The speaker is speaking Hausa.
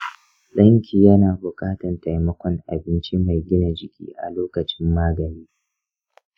ɗanki yana buƙatan taimakon abinci mai gina jiki a lokacin magani.